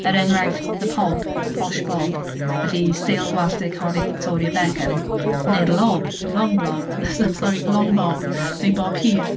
Er enghraifft, the pob, posh bob. Felly steil gwallt eiconig Victoria Beckham. Neu'r lob, long lob s- sori long bob neu bob hir.